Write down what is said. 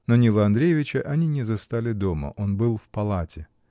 Но Нила Андреевича они не застали дома: он был в палате.